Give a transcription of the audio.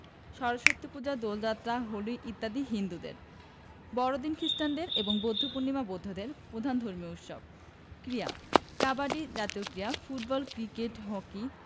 সরস্বতীপূজা দোলযাত্রা হোলি ইত্যাদি হিন্দুদের বড়দিন খ্রিস্টানদের এবং বৌদ্ধপূর্ণিমা বৌদ্ধদের প্রধান ধর্মীয় উৎসব ক্রীড়াঃ কাবাডি জাতীয় ক্রীড়া ফুটবল ক্রিকেট হকি